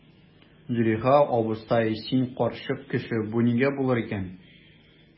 Зөләйха абыстай, син карчык кеше, бу нигә булыр икән?